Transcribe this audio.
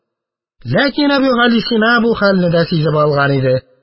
Ләкин Әбүгалисина бу хәлне дә сизеп алган иде.